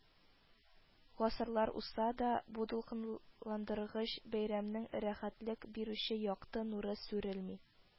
Гасырлар узса да, бу дулкынландыргыч бәйрәмнең рәхәтлек бирүче якты нуры сүрелми